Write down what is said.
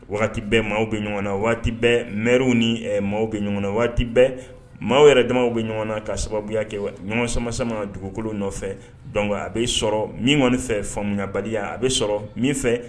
Waati bɛɛ maaw bi ɲɔgɔn na. Waati bɛɛ maires ni maaw bi ɲɔgɔn na. Waati bɛɛ maaw yɛrɛ damaw bi ɲɔgɔn na. Ka sababuya kɛ ɲɔgɔn sama sama dugukolo nɔfɛ . Donc a bi sɔrɔ min kɔni fɛ faamuya baliya a bi sɔrɔ min fɛ